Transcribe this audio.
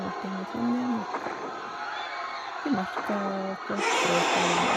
Vært hjemme i Trondhjem, vært på oppi marka og på Gråkallen og...